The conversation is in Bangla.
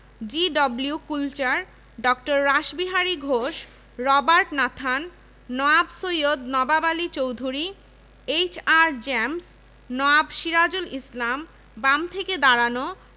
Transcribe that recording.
জি.ডব্লিউ. কুলচার ড. Rashbehari Ghosh Robert Nathan Nawab Syed Nawab Ali Chowdhury H R. James Nawab Sirajul Islam বাম থেকে দাঁড়ানো